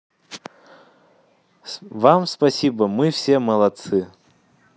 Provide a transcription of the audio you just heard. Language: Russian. вам спасибо мы все молодцы